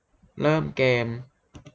เริ่มเกม